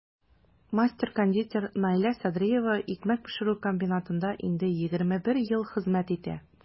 Мастер-кондитер Наилә Садриева икмәк пешерү комбинатында инде 21 ел хезмәт итә.